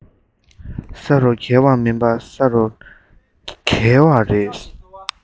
ས རུ འགྱེལ བ མིན པར ས རུ བསྒྱེལ བ རེད